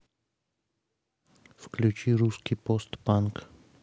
включи русский пост панк